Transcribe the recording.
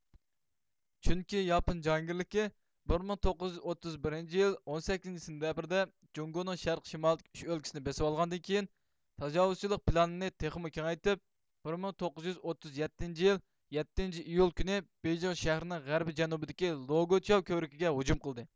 چۈنكى ياپون جاھانگىرلىكى بىر مىڭ توققۇز يۈز ئوتتۇز بىرىنچى يىل ئون سەككىزىنچى سېنتەبىردە جۇڭگونىڭ شەرق شىمالدىكى ئۈچ ئۆلكىسىنى بېسىۋالغاندىن كېيىن تاجاۋۇزچىلىق پىلانىنى تېخىمۇ كېڭەيتىپ بىر مىڭ توققۇز يۈز ئوتتۇز يەتتىنچى يىل يەتتىنچى ئىيۇل كۈنى بېيجىڭ شەھىرىنىڭ غەربىي جەنۇبىدىكى لۇگۇچياۋ كۆۋرۈكىگە ھۇجۇم قىلدى